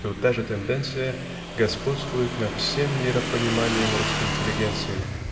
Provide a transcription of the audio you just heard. что та же тенденция господствует над всем миропониманием русской интеллигенции.